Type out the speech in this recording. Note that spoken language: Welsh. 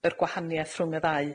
yr gwahanieth rhwng y ddau.